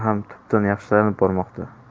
ham tubdan yaxshilanib bormoqda